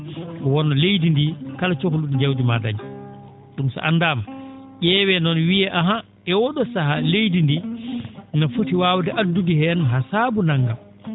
wonno leydi ndi kala cohlu?o jawdi maa a dañ ?um so anndaama ?eewee noon wiiye ahan e oo ?oo sahaa leydi ndi ne foti waawde addude heen haa saabu nanngam